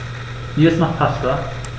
Mir ist nach Pasta.